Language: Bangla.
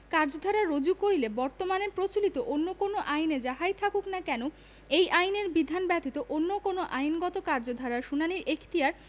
কার্যধারা রুজু করিলে বর্তমানে প্রচলিত অন্য কোন আইনে যাহাই থাকুক না কেন এই আইনের বিধান ব্যতীত অন্য কোন আইনগত কার্যধারার শুনানীর এখতিয়ার